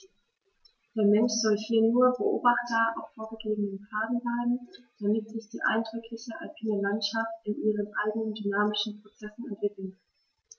Der Mensch soll hier nur Beobachter auf vorgegebenen Pfaden bleiben, damit sich die eindrückliche alpine Landschaft in ihren eigenen dynamischen Prozessen entwickeln kann.